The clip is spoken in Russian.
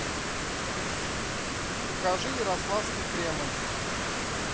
покажи ярославский кремль